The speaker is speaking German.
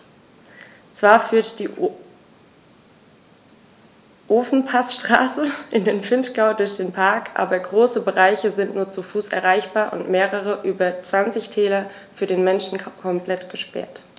Zwar führt die Ofenpassstraße in den Vinschgau durch den Park, aber große Bereiche sind nur zu Fuß erreichbar und mehrere der über 20 Täler für den Menschen komplett gesperrt.